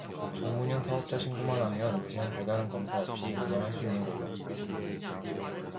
정문현 사업자 신고만 하면 그냥 별다른 검사 없이 그냥 할 수 있는 거죠